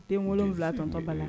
Den wolo wolonwula tɔtɔba la